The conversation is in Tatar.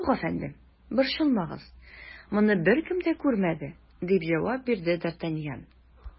Юк, әфәндем, борчылмагыз, моны беркем дә күрмәде, - дип җавап бирде д ’ Артаньян.